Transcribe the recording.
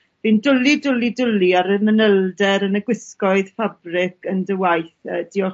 Fi'n dwli dwli dwli ar y manylder yn y gwisgoedd ffabric yn dy waith yy diolch